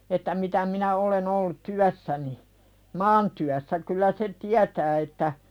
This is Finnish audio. että mitä minä olen ollut työssäni maantyössä kyllä se tietää että